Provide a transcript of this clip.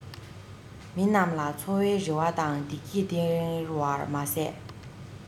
མི རྣམས ལ འཚོ བའི རེ བ དང བདེ སྐྱིད སྟེར བར མ ཟད